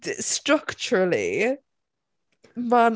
Dy- structurally ma'n...